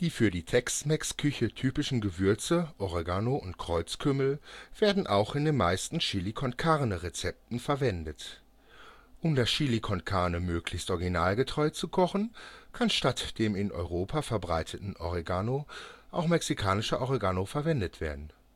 für die Tex-Mex-Küche typischen Gewürze Oregano und Kreuzkümmel werden auch in den meisten Chili-con-Carne-Rezepten verwendet. Um das Chili con Carne möglichst originalgetreu zu kochen, kann statt dem in Europa verbreiteten Oregano auch mexikanischer Oregano verwendet werden